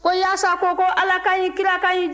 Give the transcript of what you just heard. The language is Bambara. ko yaasa ko ko ala ka ɲi kira ka ɲi